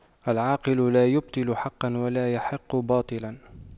العاقل لا يبطل حقا ولا يحق باطلا